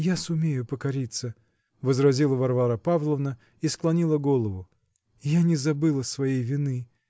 -- Я сумею покориться, -- возразила Варвара Павловна и склонила голову. -- Я не забыла своей вины